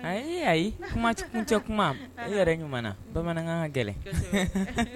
Ayi ayikuncɛ kuma i yɛrɛ ɲuman bamanankan gɛlɛn